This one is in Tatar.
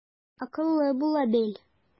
Акыллы була бел.